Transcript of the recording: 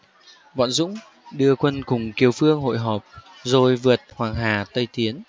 bọn dũng đưa quân cùng kiều phương hội họp rồi vượt hoàng hà tây tiến